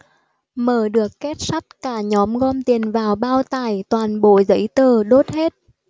mở được két sắt cả nhóm gom tiền vào bao tải toàn bộ giấy tờ đốt hết